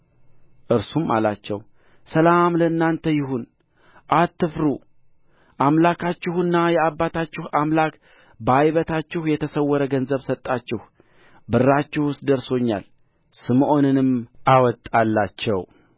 እርሱም አላቸው ሰላም ለእናንተ ይሁን አትፍሩ አምላካችሁና የአባታችሁ አምላክ በዓይበታችሁ የተሰወረ ገንዘብ ሰጣችሁ ብራችሁስ ደርሶኛል ስምዖንንም አወጣላቸው